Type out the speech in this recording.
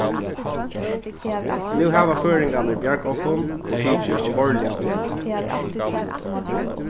nú hava føroyingarnir bjargað okkum og tikið alvorliga um endan